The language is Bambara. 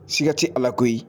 Siga tɛ ala koyi